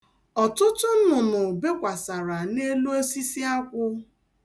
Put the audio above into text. Ọtụtụ nnụnụ bekwasara n'elu osisi akwụ.